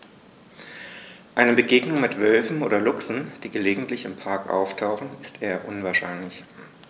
Eine Begegnung mit Wölfen oder Luchsen, die gelegentlich im Park auftauchen, ist eher unwahrscheinlich.